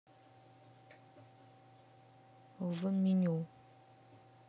в меню